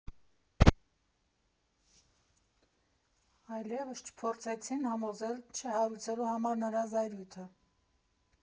Այլևս չփորձեցին համոզել՝ չհարուցելու համար նրա զայրույթը։